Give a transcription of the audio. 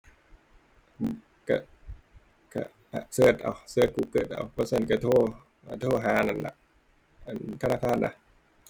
ก็ ก็ ก็เสิร์ชเอา เสิร์ช Google เอา บ่ซั้นก็โทร ก็โทรหานั่นล่ะ อั่น ธนาคารน่ะ